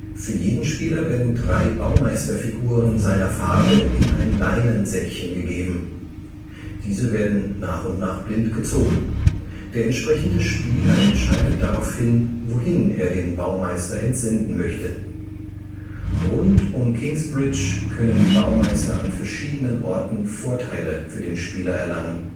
Für jeden Spieler werden drei Baumeisterfiguren seiner Farbe in ein Leinensäckchen gegeben. Diese werden nach und nach blind gezogen, der entsprechende Spieler entscheidet daraufhin, wohin er den Baumeister entsenden möchte. Rund um Kingsbridge können die Baumeister an verschiedenen Orten Vorteile für den Spieler erlangen